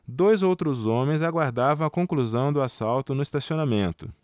dois outros homens aguardavam a conclusão do assalto no estacionamento